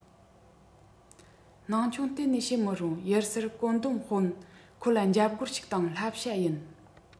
སྣང ཆུང གཏན ནས བྱེད མི རུང གཡུལ སར བཀོད འདོམས དཔོན ཁོ ལ འཇབ རྒོལ ཞིག དང བསླབ བྱ ཡིན